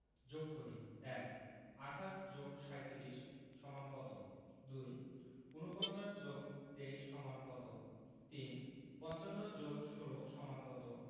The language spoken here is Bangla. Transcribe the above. যোগ করিঃ ১ ২৮ + ৩৭ = কত ২ ৪৯ + ২৩ = কত ৩ ৫৫ + ১৬ = কত